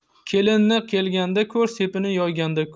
kelinni kelganda ko'r sepini yoyganda ko'r